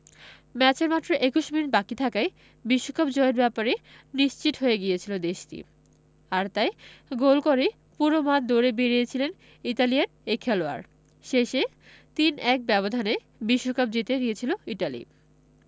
ম্যাচের মাত্র ২১ মিনিট বাকি থাকায় বিশ্বকাপ জয়ের ব্যাপারে নিশ্চিত হয়ে গিয়েছিল দেশটি আর তাই গোল করেই পুরো মাঠ দৌড়ে বেড়িয়েছিলেন ইতালিয়ান এই খেলোয়াড় শেষে ৩ ১ ব্যবধানে বিশ্বকাপ জিতে নিয়েছিল ইতালি